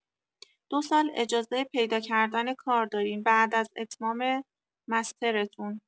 دو سال اجازه پیدا کردن کار دارین بعد از اتمام مسترتون.